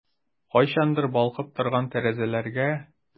Кайчандыр балкып торган тәрәзәләргә...